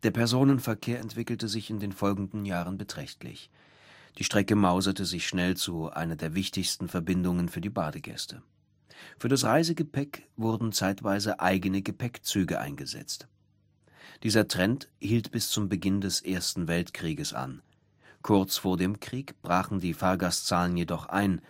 Personenverkehr entwickelte sich in den folgenden Jahren beträchtlich. Die Strecke wurde schnell zu einer wichtigen Verbindung für die Badegäste. Für das Reisegepäck wurden zeitweise eigene Gepäckzüge eingesetzt. Kurz vor dem Ersten Weltkrieg brachen die Fahrgastzahlen jedoch ein